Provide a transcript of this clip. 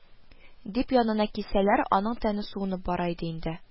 – дип янына килсәләр, аның тәне суынып бара иде инде